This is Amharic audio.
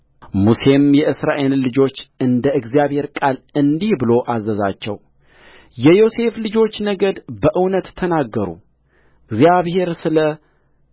ሙሴም የእስራኤልን ልጆች እንደ እግዚአብሔር ቃል እንዲህ ብሎ አዘዛቸው የዮሴፍ ልጆች ነገድ በእውነት ተናገሩእግዚአብሔር ስለ